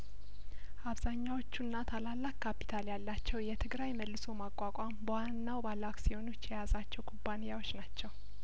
አብዛኛዎቹና ታላላቅ ካፒታል ያላቸው የትግራይመልሶ ማቋቋም በዋናው ባለአክሲዮ ኖች የያዛቸው ኩባንያዎች ናቸው